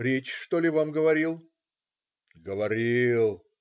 речь, что ли, вам говорил?" - "Говорил.